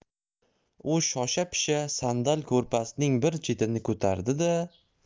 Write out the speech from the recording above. u shosha pisha sandal ko'rpasining bir chetini ko'tardi da